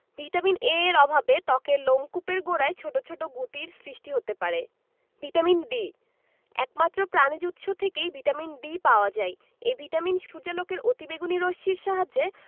vitamin A এর অভাবে ত্বকের লোমকূপের গোড়ায় ছোট ছোট গুটির সৃষ্টি হতে পারে ভিটামিন D একমাত্র প্রাণিজ উৎস থেকেই ভিটামিন D পাওয়া যায় এই ভিটামিন সূর্যালোকের অতিবেগুনি রশ্মির সাহায্যে